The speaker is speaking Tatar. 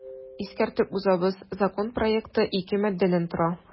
Искәртеп узабыз, закон проекты ике маддәдән тора.